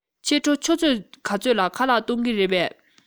ཕྱི དྲོ ཆུ ཚོད ག ཚོད ལ ཁ ལག གཏོང གི རེད པས